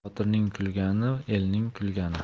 botirning kulgani elning kulgani